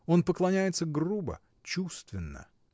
Он поклоняется грубо, чувственно.